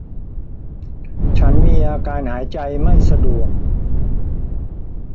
ฉันมีอาการหายใจไม่สะดวก